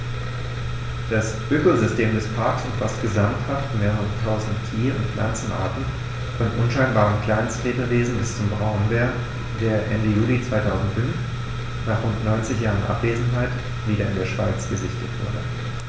Das Ökosystem des Parks umfasst gesamthaft mehrere tausend Tier- und Pflanzenarten, von unscheinbaren Kleinstlebewesen bis zum Braunbär, der Ende Juli 2005, nach rund 90 Jahren Abwesenheit, wieder in der Schweiz gesichtet wurde.